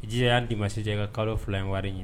I jija ya ni Dimanche cɛ i ka kalo 2 in wari ɲini.